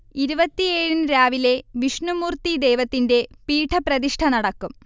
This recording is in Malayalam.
ഇരുപത്തിയേഴിന് രാവിലെ വിഷ്ണുമൂർത്തി ദൈവത്തിന്റെ പീഠപ്രതിഷ്ഠ നടക്കും